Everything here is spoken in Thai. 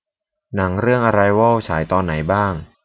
หนังเรื่องอะไรวอลฉายตอนไหนบ้าง